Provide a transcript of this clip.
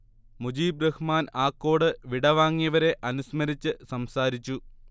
മുജീബ് റഹ്മാൻ ആക്കോട് വിടവാങ്ങിയവരെ അനുസ്മരിച്ച് സംസാരിച്ചു